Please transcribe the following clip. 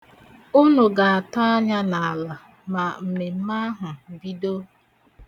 Ụnụ ga-atọ anya n'ala ma mmemme ahụ bido.